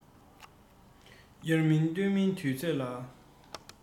དབྱར མིན སྟོན མིན དུས ཚོད ལ